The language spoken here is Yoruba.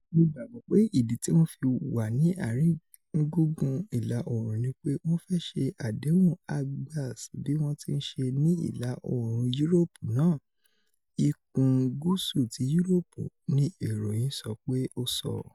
Mo gbàgbọ́ pé ìdí tíwọ́n fi wà ní Ààrin Gùngùn Ìlà-oòrun nípe wọ́n fẹ́ ṣe àdéhùn agbárs bí wọ́n tiṣe ni ìlà-oòrun Yuroopu náà, ikún gúúsù ti Yuroopu,'' ni iròyìn sọ pé o sọ.